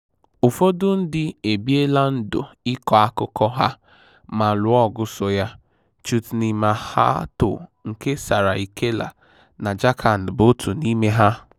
Ụfọdụ ndị ebiela ndụ ịkọ akụkọ ha ma lụọ ọgụ so ya. Chutni Mahato nke Saraikela na Jharkhand bụ otu n'ime ha.